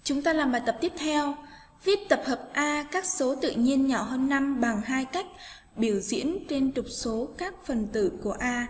chúng ta làm bài tập tiếp theo viết tập hợp a các số tự nhiên nhỏ hơn bằng hai cách biểu diễn trên trục số các phần tử của a